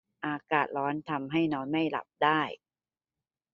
อากาศร้อนทำให้นอนไม่หลับได้